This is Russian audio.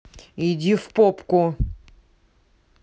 иди в попку